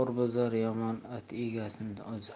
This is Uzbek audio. yomon it egasini uzar